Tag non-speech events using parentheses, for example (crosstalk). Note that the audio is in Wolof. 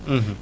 (hesitation) (hesitation)